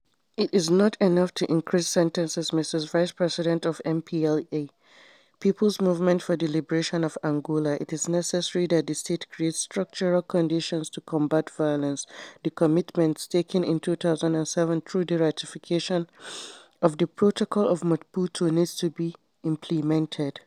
It is not enough to increase sentences, Mrs. vice president of the MPLA [People's Movement for the Liberation of Angola], it is necessary that the state creates structural conditions to combat violence — the commitments taken in 2007 through the ratification of the protocol of Maputo need to be implemented.